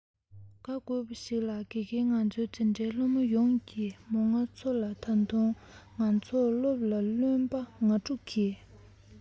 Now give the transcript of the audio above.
དགའ འོས པ ཞིག ལ དགེ རྒན ང ཚོའི འཛིན གྲྭའི སློབ མ ཡོངས ཀྱིས མོའི ང ཚོ ལ ད དུང ང ཚོའི སློབ ལ བརློན པ ང དྲུག གིས